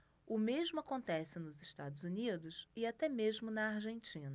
o mesmo acontece nos estados unidos e até mesmo na argentina